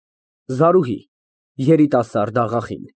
ԶԱՐՈՒՀԻ ֊ Երիտասարդ աղախին։